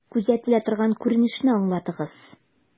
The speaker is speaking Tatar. Күзәтелә торган күренешне аңлатыгыз.